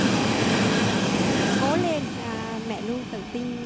à khang ơi cố lên à mẹ luôn tự tin